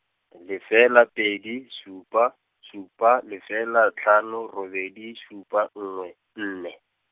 lefela pedi supa, supa lefela tlhano robedi supa nngwe, nne.